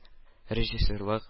Режиссерлык